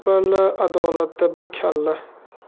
palla adolatda bir kalla